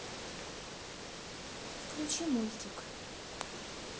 включи мультик